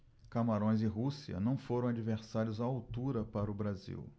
camarões e rússia não foram adversários à altura para o brasil